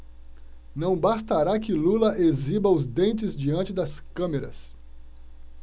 não bastará que lula exiba os dentes diante das câmeras